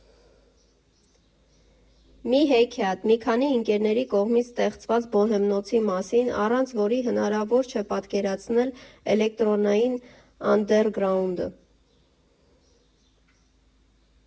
Մի հեքիաթ՝ մի քանի ընկերների կողմից ստեղծված Բոհեմնոցի մասին, առանց որի հնարավոր չէ պատկերացնել էլեկտրոնային անդերգրաունդը։